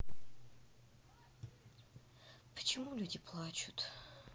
почему люди плачут